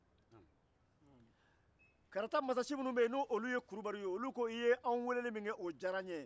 karata masasi kulubali ko i ye an weeleli min kɛ diyara an ye